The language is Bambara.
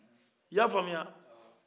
i y' a faamuya